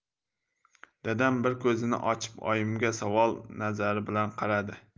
dadam bir ko'zini ochib oyimga savol nazari bilan qaradi